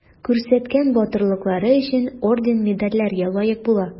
Күрсәткән батырлыклары өчен орден-медальләргә лаек була.